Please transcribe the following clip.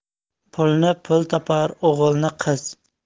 pulni pul topar o'g'ilni qiz